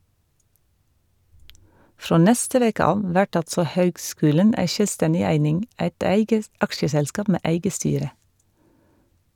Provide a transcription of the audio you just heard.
Frå neste veke av vert altså høgskulen ei sjølvstendig eining, eit eige aksjeselskap med eige styre.